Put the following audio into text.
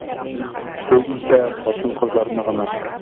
Сез исә хатын-кызларны гына.